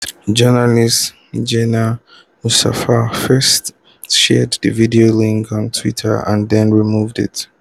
Journalist Jenan Moussa first shared the video link on Twitter and then removed it.